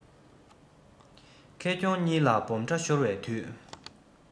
ཁེ གྱོང གཉིས ལ སྦོམ ཕྲ ཤོར བའི དུས